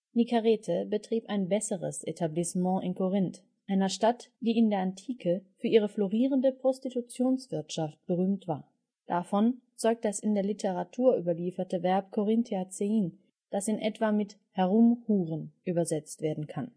Nikarete betrieb ein „ besseres “Etablissement in Korinth, einer Stadt, die in der Antike für ihre florierende Prostitutionswirtschaft berühmt war. Davon zeugt das in der Literatur überlieferte Verb korinthiazein, das in etwa mit „ (herum) huren “übersetzt werden kann